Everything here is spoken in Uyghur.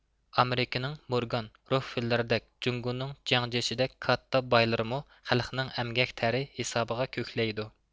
ئامېرىكىنىڭ مورگان روكفېللېردەك جۇڭگونىڭ جياڭجيېشىدەك كاتتا بايلىرىمۇ خەلقنىڭ ئەمگەك تەرى ھېسابىغا كۆكلەيدۇ